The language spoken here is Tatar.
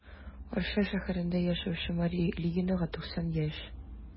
Арча шәһәрендә яшәүче Мария Ильинага 90 яшь.